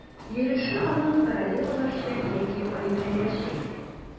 Йөреше аның королеваларча яки алиһәләрчә иде.